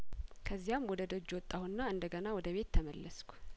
ከዚያም ወደ ደጅ ወጣሁና እንደገና ወደ ቤት ተመለስኩ